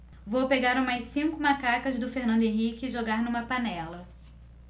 vou pegar umas cinco macacas do fernando henrique e jogar numa panela